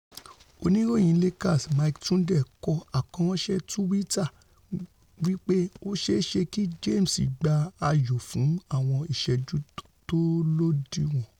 Oníròyìn Lakers Mike Trudell kọ àkọránṣẹ́ túwìtì wí pé ó ṣeé ṣe kí James gbá ayò fún àwọn ìṣẹ́jú tó lódiwọ̀n.